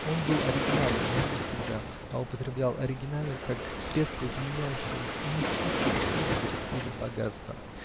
Он был оригинален, но не всегда, а употреблял оригинальность как средство, заменяющее в иных случаях светскость или богатство.